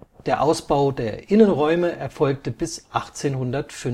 Der Ausbau der Innenräume erfolgte bis 1885